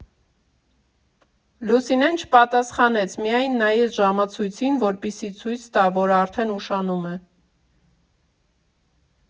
Լուսինեն չպատասխանեց, միայն նայեց ժամացույցին, որպեսզի ցույց տա, որ արդեն ուշանում է։